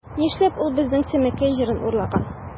Нишләп ул безнең Сәмәкәй җырын урлаган?